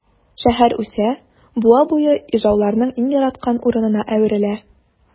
Шәһәр үсә, буа буе ижауларның иң яраткан урынына әверелә.